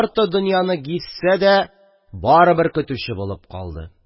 Ярты донъяны гизсә дә, барыбер көтүче булып калды.